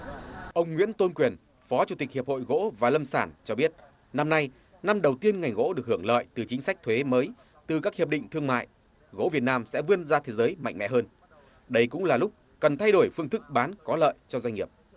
ông nguyễn tôn quyền phó chủ tịch hiệp hội gỗ và lâm sản cho biết năm nay năm đầu tiên ngành gỗ được hưởng lợi từ chính sách thuế mới từ các hiệp định thương mại gỗ việt nam sẽ vươn ra thế giới mạnh mẽ hơn đây cũng là lúc cần thay đổi phương thức bán có lợi cho doanh nghiệp